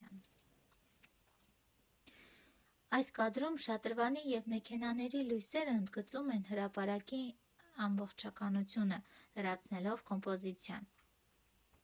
Այս կադրում շատրվանի և մեքենաների լույսերը ընդգծում են հրապարակի ամբողջականությունը, լրացնելով կոմպոզիցիան։